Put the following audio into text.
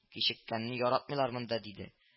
Кичеккәнне яратмыйлар монда, — диде